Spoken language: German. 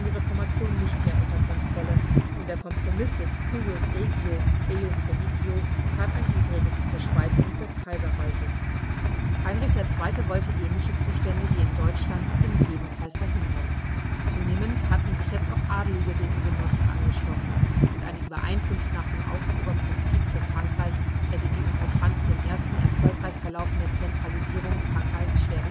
Reformation nicht mehr unter Kontrolle, und der Kompromiss des „ Cuius regio, eius religio “tat ein Übriges zur Spaltung des Kaiserreiches. Heinrich II. wollte ähnliche Zustände wie in Deutschland in jedem Fall verhindern. Zunehmend hatten sich jetzt auch Adelige den Hugenotten angeschlossen, und eine Übereinkunft nach dem Augsburger Prinzip für Frankreich hätte die unter Franz I. erfolgreich verlaufende Zentralisierung Frankreichs schwer